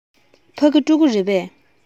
ཕ གི སློབ ཕྲུག རེད པས